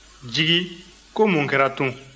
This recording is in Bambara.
jigi ko mun kɛra tun